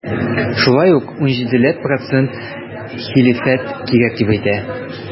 Шулай ук 17 ләп процент хәлифәт кирәк дип әйтә.